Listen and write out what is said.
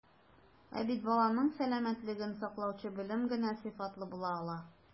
Ә бит баланың сәламәтлеген саклаучы белем генә сыйфатлы була ала.